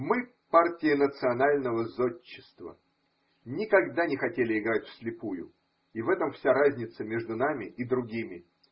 Мы – партия национального зодчества – никогда не хотели играть вслепую, и в этом вся разница между нами и другими.